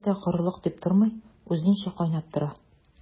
Милли эшләр дә корылык дип тормый, үзенчә кайнап тора.